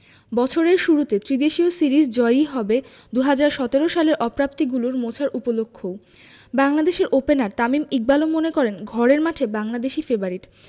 বছরের শুরুতে ত্রিদেশীয় সিরিজ জয়ই হবে ২০১৭ সালের অপ্রাপ্তিগুলো মোছার উপলক্ষও বাংলাদেশের ওপেনার তামিম ইকবালও মনে করেন ঘরের মাঠে বাংলাদেশই ফেবারিট